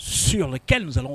Suyɔnkɛ kɛlen